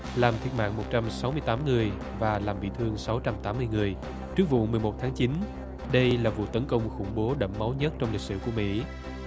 làm thiệt mạng một trăm sáu mươi tám người và làm bị thương sáu trăm tám mươi người trước vụ mười một tháng chín đây là vụ tấn công khủng bố đẫm máu nhất trong lịch sử của mỹ